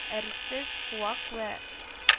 Әрсез куак вә